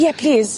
Ie plîs.